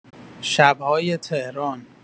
شب‌های تهران